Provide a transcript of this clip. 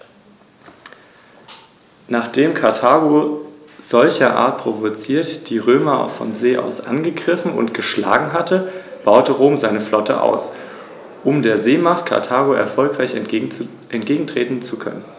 An erster Stelle steht dabei der Gedanke eines umfassenden Naturschutzes.